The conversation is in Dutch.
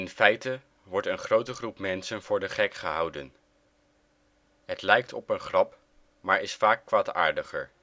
feite wordt een grote groep mensen voor de gek gehouden. Het lijkt op een grap, maar is vaak kwaadaardiger